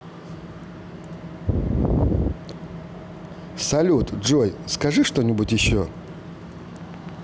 салют джой скажи что нибудь еще